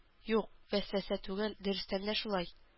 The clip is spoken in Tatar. Юк, вәсвәсә түгел, дөрестә дә шулай.